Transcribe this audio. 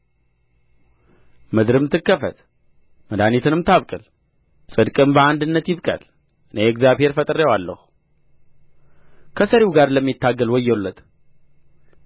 ምድርም ትከፈት መድኃኒትንም ታብቅል ጽድቅም በአንድነት ይብቀል እኔ እግዚአብሔር ፈጥሬዋለሁ ከሠሪው ጋር ለሚታገል ወዮለት